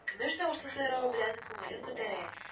Көмеш тавышлы сайравы белән күңелен күтәрә